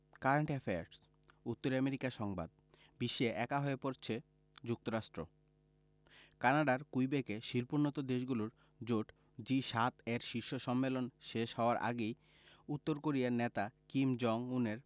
current affairs উত্তর America সংবাদ বিশ্বে একা হয়ে পড়ছে যুক্তরাষ্ট্র কানাডার কুইবেকে শিল্পোন্নত দেশগুলোর জোট জি ৭ এর শীর্ষ সম্মেলন শেষ হওয়ার আগেই উত্তর কোরিয়ার নেতা কিম জং উনের